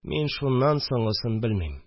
Мин шуннан соңгысын белмим